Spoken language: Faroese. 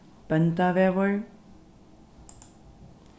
bóndavegur